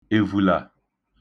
èvùlà